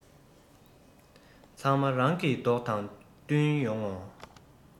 ཚང མ རང གི མདོག དང མཐུན ཡོང ངོ